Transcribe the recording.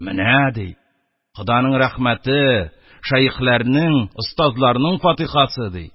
— менә, ди, ходаның рәхмәте, шәехләрнең, остазларның фатихасы, ди...